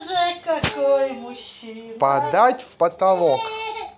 падать в потолок